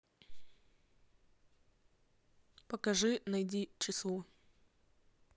покажи найди число